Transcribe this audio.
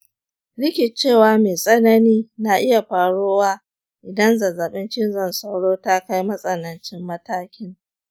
rikicewa mai tsanani na iya faruwa idan zazzabin cizon sauro ta kai matsanancin matakin.